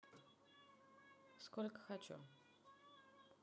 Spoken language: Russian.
сколько хочу